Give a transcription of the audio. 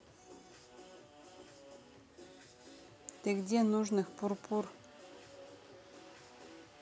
ты где нужных пурпур